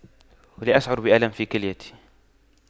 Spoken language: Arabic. لا أشعر بألم في كليتي